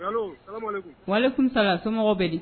Foli kunsala somɔgɔw bɛ